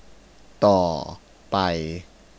ต่อไป